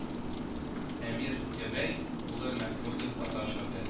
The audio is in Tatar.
Әмир Гобәй улы Мәхмүдов татар шагыйре